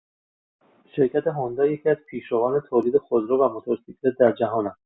شرکت هوندا یکی‌از پیشروان تولید خودرو و موتورسیکلت در جهان است.